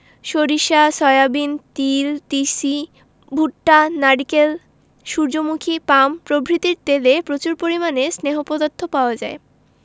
সরিষা সয়াবিন তিল তিসি ভুট্টা নারকেল সুর্যমুখী পাম প্রভৃতির তেলে প্রচুর পরিমাণে স্নেহ পদার্থ পাওয়া যায়